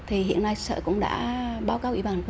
thì hiện nay sở cũng đã báo cáo ủy ban